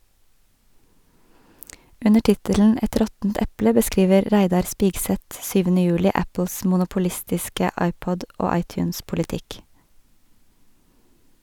Under tittelen "Et råttent eple" beskriver Reidar Spigseth, syvende juli, Apples monopolistiske iPod- og iTunes-politikk.